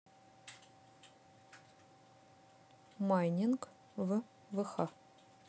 майнинг в вх